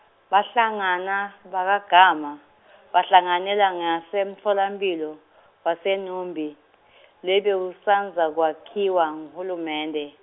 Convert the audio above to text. bahlangana, bakaGama , bahlanganela ngasemtfolamphilo, waseNumbi , lebewusandza kwakhiwa nguhulumende.